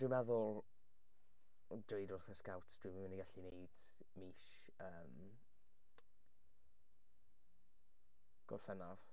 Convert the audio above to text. Dwi'n meddwl dweud wrth y scouts dwi'm yn mynd i allu wneud mis yym Gorffennaf.